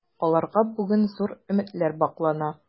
Аларга бүген зур өметләр баглана.